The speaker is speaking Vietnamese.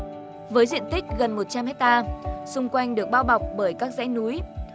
với diện tích gần một trăm hec ta xung quanh được bao bọc bởi các dãy núi